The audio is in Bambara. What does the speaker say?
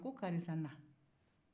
ko karisa na